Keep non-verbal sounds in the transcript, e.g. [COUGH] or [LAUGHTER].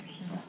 [HESITATION] [HESITATION]